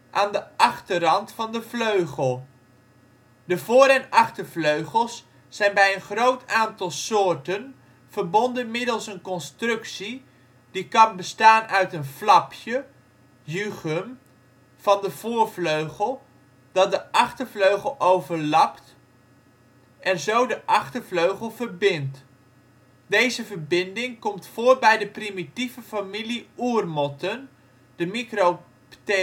aan de achterrand van de vleugel. De voor - en achtervleugels zijn bij een groot aantal soorten verbonden middels een constructie die kan bestaan uit een flapje (jugum) van de voorvleugel dat de achtervleugel overlapt en zo de achtervleugel verbindt. Deze verbinding komt voor bij de primitieve familie oermotten (Micropterigidae). Een